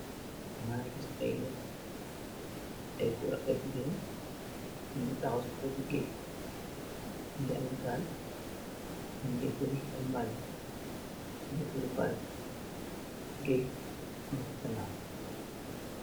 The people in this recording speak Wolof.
Mangy gis aiiy nitt, aiiy gorre ak aiiy gigain njungy takhaw cii wehtu gedjj bii njungy ameh gaal, njungeh firri Sen mbaal bii, nungy tiyeh mbaal bii, gedjj mung cii guinaw.